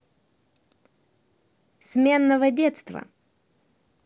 сменного детства